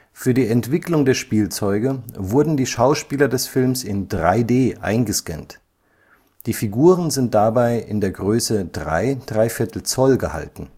Für die Entwicklung der Spielzeuge wurden die Schauspieler des Films in 3D eingescannt. Die Figuren sind dabei in der Größe 3¾ Zoll gehalten